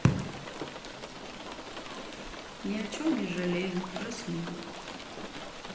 ни о чем не жалею жасмин